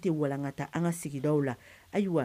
An tɛ walanka taa an ka sigida la